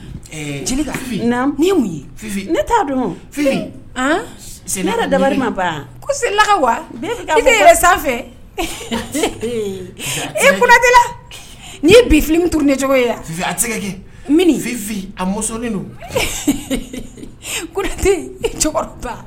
Mun t'a sen da ma la wa se sanfɛ i n'i ye bi fili min tun ne cogo yan a tɛgɛ kɛ a muso don